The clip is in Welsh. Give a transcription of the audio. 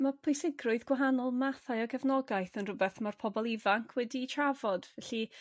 Ma' pwysigrwydd gwahanol mathau o gefnogaeth yn rhywbeth ma'r pobol ifanc wedi'u trafod felly